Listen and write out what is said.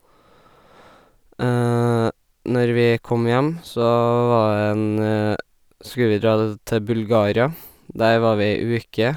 Når vi kom hjem, så var det en skulle vi dra d til Bulgaria Der var vi ei uke.